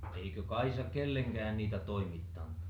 eikö Kaisa kenellekään niitä toimittanut